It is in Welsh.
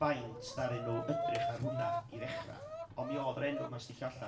faint ddaru nhw edrych ar hwnna, i ddechrau, ond mi oedd yr enw yma yn sticio allan,